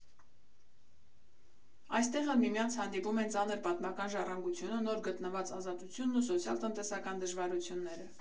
Այստեղ էլ միմյանց հանդիպում են ծանր պատմական ժառանգությունը, նոր գտնված ազատությունն ու սոցիալ֊տնտեսական դժվարությունները։